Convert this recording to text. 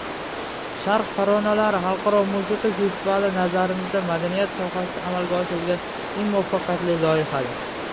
sharq taronalari xalqaro musiqiy festivali nazarimizda madaniyat sohasida amalga oshirilgan eng muvaffaqiyatli loyihadir